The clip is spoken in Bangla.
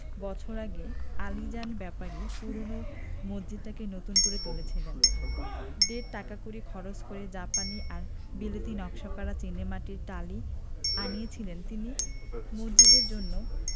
বছর আগে আলীজান ব্যাপারী পূরোনো মসজিদটাকে নতুন করে তুলেছিলেন ডের টাকাকড়ি খরচ করে জাপানি আর বিলেতী নকশা করা চীনেমাটির টালি আনিয়েছিলেন তিনি মসজিদের জন্য